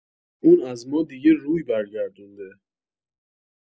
اون از ما دیگه روی برگردونده